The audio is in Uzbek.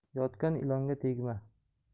yotgan ilonga tegma